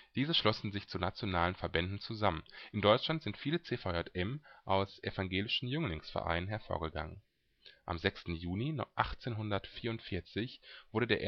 Diese schlossen sich zu nationalen Verbänden zusammen. In Deutschland sind viele CVJM aus evangelischen Jünglingsvereinen hervorgegangen. Am 6. Juni 1844 wurde